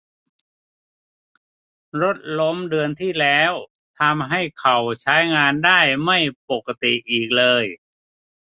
รถล้มเดือนที่แล้วทำให้เข่าใช้งานได้ไม่ปกติอีกเลย